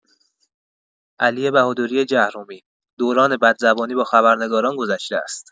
علی بهادری جهرمی: دوران بدزبانی با خبرنگاران گذشته است.